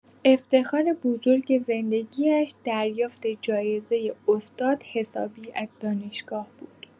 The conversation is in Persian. افتخار بزرگ زندگی‌اش دریافت جایزه استاد حسابی از دانشگاه بود.